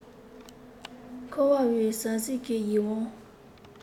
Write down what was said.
འཁོར བའི ཟང ཟིང གིས ཡིད དབང